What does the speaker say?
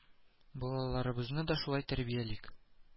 Балаларыбызны да шулай тәрбиялик